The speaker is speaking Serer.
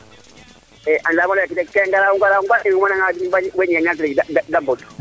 anda male a kida ke grave ;fra grave